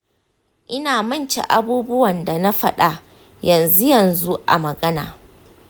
ina mance abubuwan da na faɗa yanzu-yanzu a magana